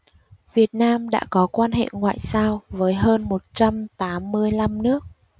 việt nam đã có quan hệ ngoại giao với hơn một trăm tám mươi lăm nước